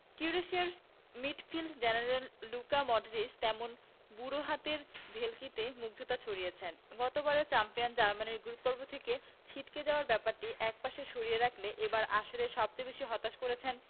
ক্রোয়েশিয়ার midfield general Luka Modric তেমনি বুড়ো হাতের ভেলকিতে মুগ্ধতা ছড়িয়েছেন গতবারের চ্যাম্পিয়ন জার্মানির গ্রুপপর্ব থেকে ছিটকে যাওয়ার ব্যাপারটি একপাশে সরিয়ে রাখলে এবারের আসরে সবচেয়ে বেশি হতাশ করেছে